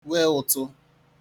wē ụ̀tụ